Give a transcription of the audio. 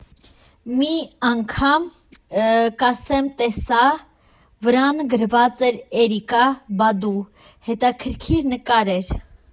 Մի անգամ մի կասետ տեսա՝ վրան գրված էր Էրիկա Բադու, հետաքրքիր նկար էր։